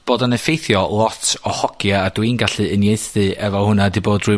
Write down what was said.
bod yn effeithio lot o hogia, a dw i'n gallu uniaethu efo hwnna, 'di bod drwy'r